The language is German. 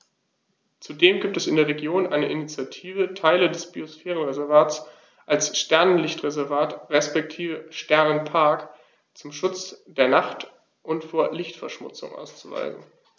Zudem gibt es in der Region eine Initiative, Teile des Biosphärenreservats als Sternenlicht-Reservat respektive Sternenpark zum Schutz der Nacht und vor Lichtverschmutzung auszuweisen.